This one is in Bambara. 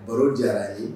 Baro diyara ye